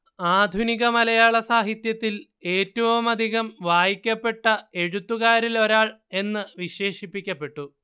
ആധുനിക മലയാള സാഹിത്യത്തിൽ ഏറ്റവുമധികം വായിക്കപ്പെട്ട എഴുത്തുകാരിലൊരാൾ എന്ന് വിശേഷിപ്പിക്കപ്പെട്ടു